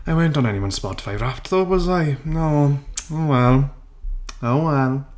I weren't on anyone's Spotify Wrapped though was I? No. Oh well. Oh well!